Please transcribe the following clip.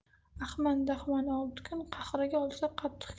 ahman dahman olti kun qahriga olsa qatti kun